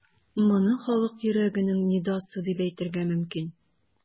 Моны халык йөрәгенең нидасы дип әйтергә мөмкин.